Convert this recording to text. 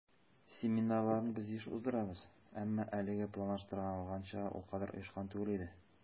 Семинарларны без еш уздырабыз, әмма әлегә планлаштырылганча ул кадәр оешкан түгел иде.